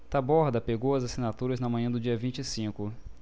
taborda pegou as assinaturas na manhã do dia vinte e cinco